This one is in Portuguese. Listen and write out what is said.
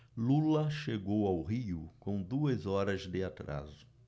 lula chegou ao rio com duas horas de atraso